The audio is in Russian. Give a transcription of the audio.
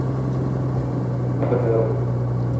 писька ты под завод